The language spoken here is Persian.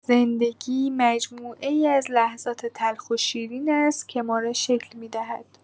زندگی مجموعه‌ای از لحظات تلخ و شیرین است که ما را شکل می‌دهد.